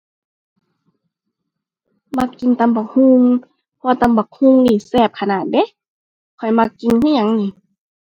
มักกินตำบักหุ่ง เพราะตำบักหุ่งนี่แซ่บขนาดเดะ ข้อยมักกินคือหยังหนิ